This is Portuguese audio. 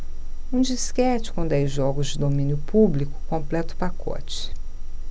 um disquete com dez jogos de domínio público completa o pacote